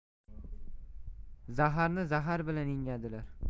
zaharni zahar bilan yengadilar